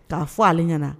K' fɔ ale ɲɛna